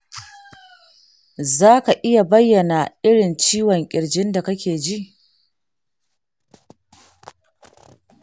za ka iya bayyana irin ciwon ƙirjin da kake ji?